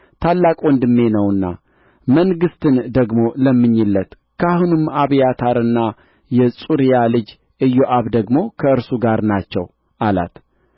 ታላቅ ወንድሜ ነውና መንግሥትን ደግሞ ለምኚለት ካህኑም አብያታርና የጽሩያ ልጅ ኢዮአብ ደግሞ ከእርሱ ጋር ናቸው አላት